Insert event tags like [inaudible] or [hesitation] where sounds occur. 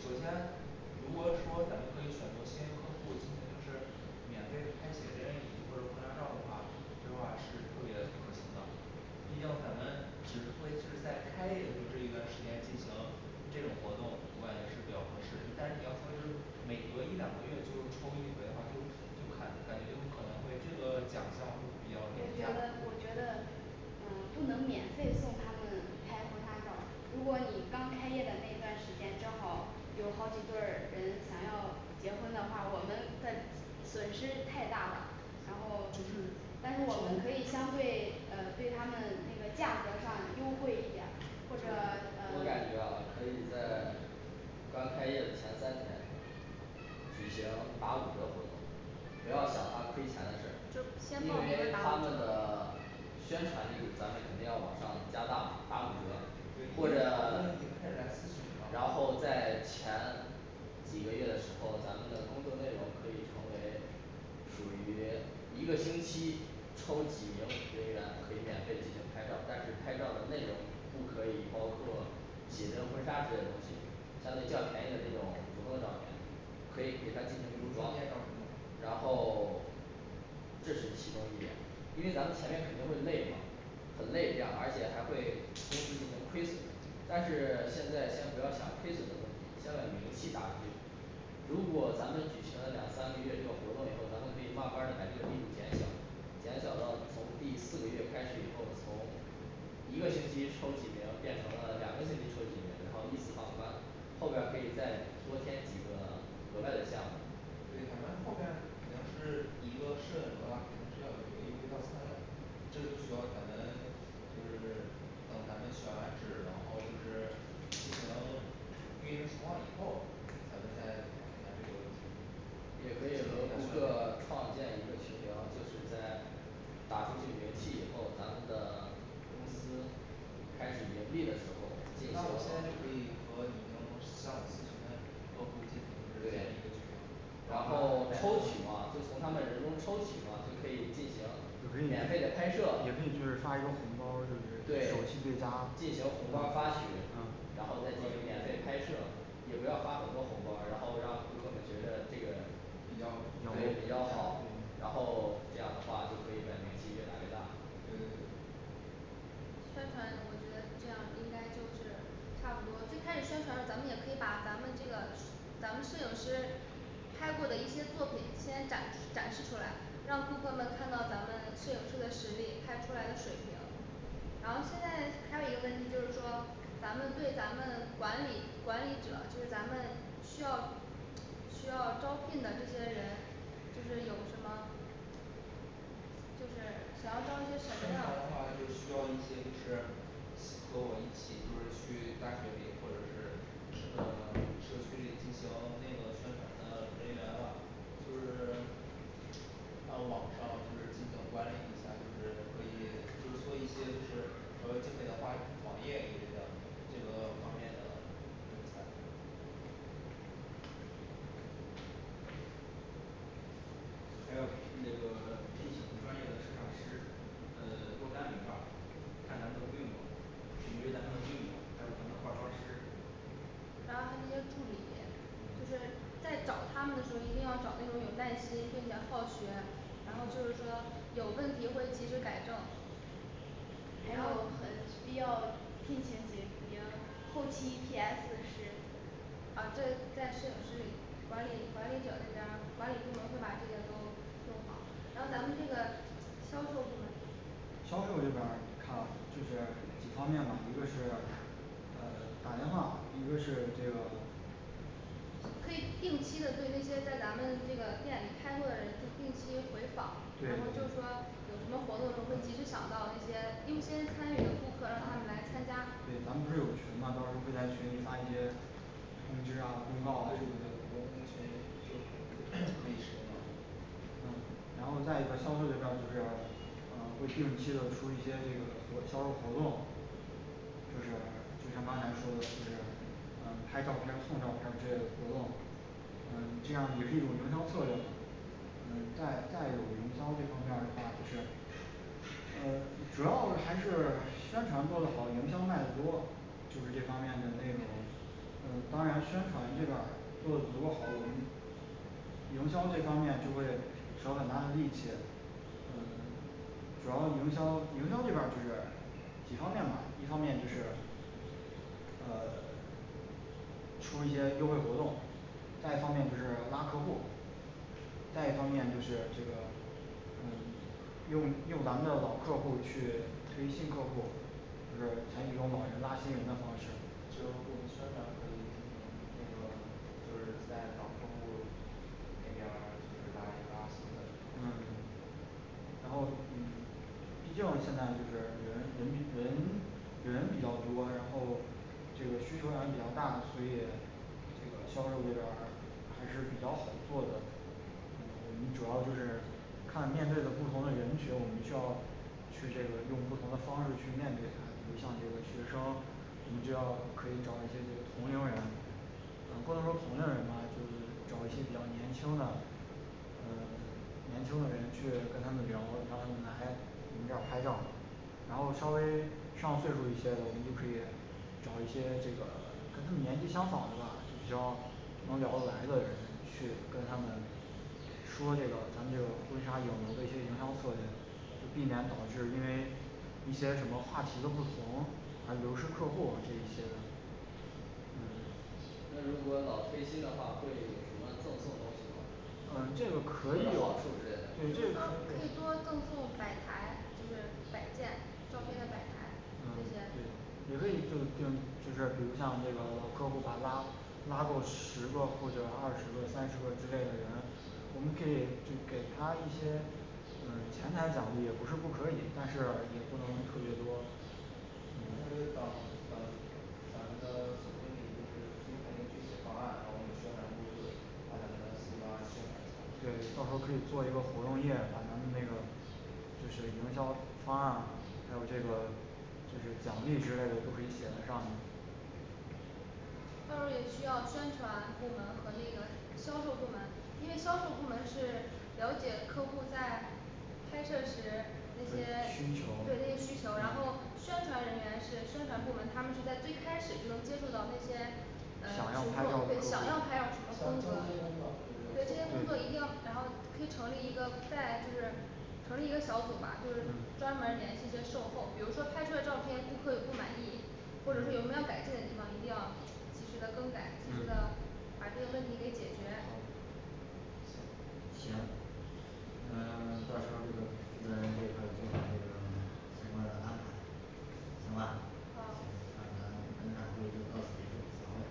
首先如果说咱们可以选择新人客户进行就是免费拍写真或者婚纱照的话，这话是特别可行的毕竟咱们只会是在开业的时候，这一段时间进行这种活动，我感觉是比较合适，但是你要说就是每隔一两个月就抽一回的话，就就感感觉就可能这个奖项会比较廉我觉价得我觉得嗯不能免费送他们拍婚纱照儿，如果你刚开业的那段时间正好有好几对儿人想要结婚的话，我们的损失太大了，然后就是但是我们可就以相对呃对他们那个价格儿上优惠一点儿，或者呃我感觉啊可以在刚开业的前三天举行打五折活动不嗯要想他亏钱的事就儿，因为他们的 [silence] 宣传力度咱们肯定要往上加大打五折对因为我或者们已经开始来咨询然嘛后在前几个月的时候，咱们的工作内容可以成为属于 [silence] 一个星期抽几名人员可以免费进行拍照儿，但是拍照儿的内容不可以，包括写真婚纱之类的东西，相对较便宜的那种普通的照片可以给它进行证件留中照是吗，然后 [silence] 这只是其中一点，因为咱们前面肯定会累嘛很累这样，而且还会公司进行亏损。 但是现在先不要想亏损的问题，先把名气打出去如果咱们举行了两三个月这个活动以后，咱们可以慢慢儿的把这个密度减小，减小到了从第四个月开始以后，从一个学期抽几名，变成了两个学期抽几名，然后依次放宽了，后边儿可以再多添几个额外的项目对，咱们后面肯定是以一个摄影楼啊，每天是要有一个优惠套餐的这就需要咱们就是等咱们选完址，然后就是进行 [silence] 运营情况以后，咱们再讨论一下这个问题也可以和顾客创建一个群聊，就是在打出去人气以后咱们的公司开始盈利的时候进行那我现在就可以和已经向我咨询的人客户就是建立一个对群然后抽取嘛就从他们人中抽取嘛就可以进行免费的拍摄，免费就是发一个红包对手气最佳进行红包儿发起嗯，然后再进行免费拍摄也不要发很多红包儿，然后让顾客们觉得这个比较好对比较好，然后这样的话就可以咱们名气越来越大了对对对宣传我觉得这样应该就是差不多就开始宣传，咱们也可以把咱们这个咱们摄影师拍过的一些作品先展展示出来，让顾客们看到咱们摄影师的实力拍出来的水平然后现在还有一个问题就是说咱们对咱们管理管理者就咱们需要需要招聘的这些人，就是有什么就是想要招一些什宣么传样的的话就是需要一些就是和我一起就是去大学里或者是社呃社区里进行那个宣传的人员吧就是 [silence] 在网上就是进行管理一下，就是可以就是做一些就是稍微精美的画网页一类的这个方面的人才还要聘那个聘请专业的摄像师，呃若干名吧看咱们的规模取决于咱们的规模还有咱们的化妆师招一些助理就是嗯在找他们的时候，一定要找那种有耐心并且好学，然后就是嗯说有问题会及时改正还要很需要聘请解平，后期P S师啊对P S摄影师管理管理者这边儿管理部门儿会把这个都弄好然后咱们这个销售部销售这边儿看啊就是几方面嘛一个是嗯 [silence] 打电话一个是这个可以定期的对那些在咱们这个店里拍摄的人定期回访对对然后就对说我们活动会及时想到这些优先参与的顾客，让他们来参加对咱们这儿有群嘛到时候可以在群里发一些通知啊公告啊对不对对对对我们的群有 [hesitation] 可以识别到然后再一个销售来讲就是，嗯会定期的出一些这个销售活动就是就像刚才说的就是呃拍照片儿送照片儿之类的活动嗯这样也是有营销策略的嗯再一再一个营销这方面儿的话就是呃主要我们还是宣传做的好，营销卖的多就是这方面的内容嗯当然宣传这边做得多好我们营销这方面就会省很大的力气。 嗯主要是营销营销这边儿没事儿几方面嘛，一方面就是呃 [silence] 出一些优惠活动再一方面就是拉客户再一方面就是这个嗯用用咱们的老客户儿去推新客户就是采取在网上拉新人的方式这个我们宣传可以那个就是在老客户儿那边儿就是拉一拉新的客户嗯然后嗯 [silence] 毕竟现在就是人人人人比较多然后这个需求量比较大，所以这个销售人员儿还是比较好做的我们主要就是看你面对的不同的人群，我们需要去这个用不同的方式去面对。比如像这个学生，你就要可以找一些这个同龄人嗯不能说同龄人吧就是找一些比较年轻的嗯年轻的人去跟他们聊，让他们来我们这儿拍照儿然后稍微上岁数一些的人，就可以找一些这个跟他们年纪相仿的嘛像的人儿去跟他们说这个咱们的婚纱影楼的一些营销策略，今年可能是因为一些什么话题的不同，还有新客户儿这一些嗯那如果老推新的话会要赠送东西吗嗯 [silence] 这个可以有好处之类对的嗯这个可以多可以多赠送摆台就是摆件送那个摆台作为咱们嗯这个也可以赠赠就是比如像这那个老客户吧他拉够十个或者二十个三十个之类的人我们可以就给他一些嗯钱财奖励也不是不可以，但是我们也不可能特别多如何就找找咱们的总经理就是给他一个具体的方案，然后我们宣传就是把咱们的新方案宣传一下儿，对到时候可以做一个活动页，把咱们那个就是营销方案嘛还有这个对奖励之类的都可以写在上面。到时候也需要宣传部门和那个销售部门，因为销售部门是了解客户儿在拍摄时那那些些需求对那些需求，然后宣嗯传人员是宣传部门，他们是在最开始的时候接触到那些呃宣想要拍照儿传顾对想要拍照儿什么客风格对这些顾客一定对要然后可以成立一个拜就是成立一个小组儿吧，就是专门嗯儿联系一些售后，比如说拍出的照片顾客不满意，或者是有什么要改进的地方，一定要及时的更改及时的嗯把这个问题给解决。哦行行嗯 [silence] 到时候儿这个负责人这一块儿做好这个相关的安排行吧？行，那好咱们本场会议就到此结束，散会